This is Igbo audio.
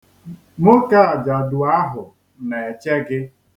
Nwoke ajadu ahụ na-eche gị.